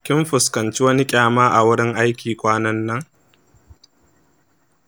kin fuskanci wani ƙyama a wurin aiki kwanan nan?